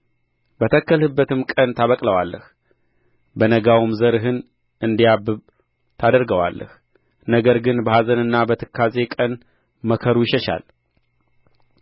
በተከልህበት ቀን ታበቅለዋለህ በነጋውም ዘርህን እንዲያብብ ታደርገዋለህ ነገር ግን በኀዘንና በትካዜ ቀን መከሩ ይሸሻል